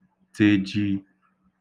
tējī